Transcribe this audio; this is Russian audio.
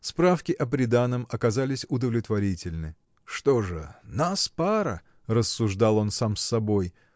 Справки о приданом оказались удовлетворительны. Что же: нас пара! – рассуждал он сам с собой.